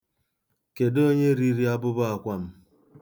Kedụ onye riri abụbọ akwa m?